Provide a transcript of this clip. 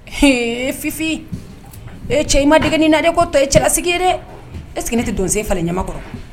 Fifin e cɛ ma d ne na de ko to ye cɛlasigi ye dɛ eseke tɛ donso falen ɲama kɔrɔ